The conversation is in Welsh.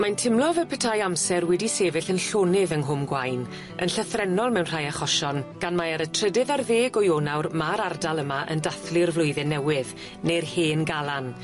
Mae'n timlo fel petai amser wedi sefyll yn llonydd yng Nghwm Gwaun yn llythrennol mewn rhai achosion, gan mai ar y trydydd ar ddeg o Ionawr ma'r ardal yma yn dathlu'r flwyddyn newydd ne'r hen galan